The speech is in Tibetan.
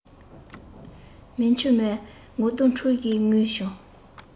མོས མཆིལ མས ངོ གདོང འཁྲུད བཞིན ངུས བྱུང